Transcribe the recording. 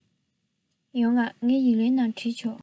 ཡོང ང ངས ཡིག ལན ནང བྲིས ཆོག